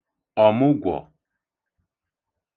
ọ̀mụgwọ̀